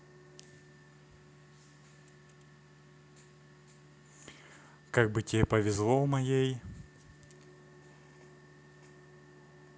как бы тебе повезло у моей